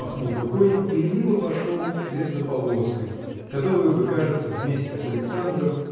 махнул рукой и лениво пошел вслед за повозкой которую бы кажется вместе с Александром